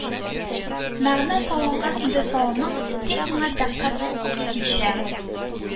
Мәгънә салынган иде салынуын, тик, моңа дикъкать үк итмичә,